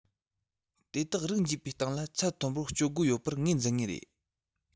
དེ དག རིགས འབྱེད པའི སྟེང ལ ཚད མཐོན པོར སྤྱོད སྒོ ཡོད པར ངོས འཛིན ངེས རེད